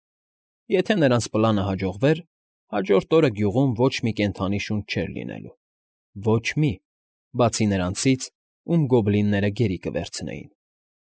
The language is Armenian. Եթե նրանց պլանը հաջողվեր, հաջորդ օրը գյուղում ոչ մի կենդանի շունչ չէր լինելու, ոչ մի, բացի նրանցից, ում գոբլինները գերի կվերցնեին։